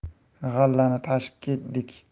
g'allani tashib ketdik